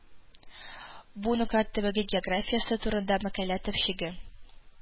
Бу Нократ төбәге географиясе турында мәкалә төпчеге